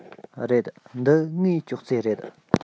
རེད འདི ངའི ཅོག ཙེ རེད